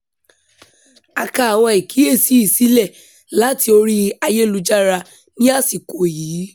A ká àwọn ìkíyèsí yìí sílẹ̀ láti orí ayélujára ní àsìkò yìí.